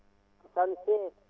76